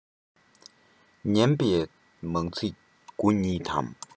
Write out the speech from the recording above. ངན པའི མང ཚིག དགུ ཉིད དམ